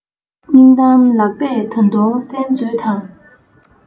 སྙིང གཏམ ལགས པས ད དུང གསན མཛོད དང